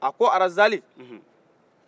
a ko arazali nhun